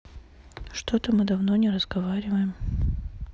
что то мы давно не разговариваем